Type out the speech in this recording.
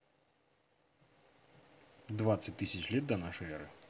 двадцать тысяч лет до нашей эры